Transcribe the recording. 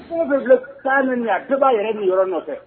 Foyi bɛ bi taa ɲini a bɛɛ b'a yɛrɛ bɛ yɔrɔ nɔfɛ